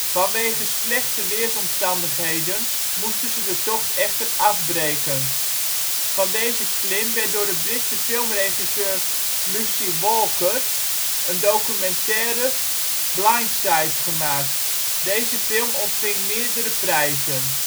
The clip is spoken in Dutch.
Vanwege slechte weersomstandigheden moesten ze deze tocht echter afbreken. Van deze klim werd door de Britse filmregisseur Lucy Walker de documentaire Blindsight gemaakt. Deze film ontving meerdere prijzen